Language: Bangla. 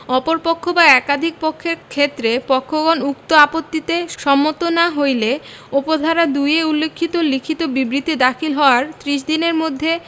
অপর পক্ষ বা একাধিক পক্ষের কেষত্রে পক্ষগণ উক্ত আপত্তিতে সম্মত না হইরে উপ ধারা ২ এ উল্লেখিত লিখিত বিবৃতি দাখিল হওয়ার ত্রিশ দনের মধ্যে